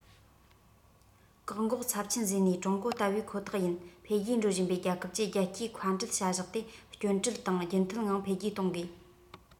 བཀག འགོག ཚབས ཆེན བཟོས ནས ཀྲུང གོ ལྟ བུའི ཁོ ཐག ཡིན འཕེལ རྒྱས འགྲོ བཞིན པའི རྒྱལ ཁབ ཀྱི རྒྱལ སྤྱིའི མཁའ འགྲུལ བྱ གཞག དེ སྐྱོན བྲལ དང རྒྱུན མཐུད ངང འཕེལ རྒྱས གཏོང དགོས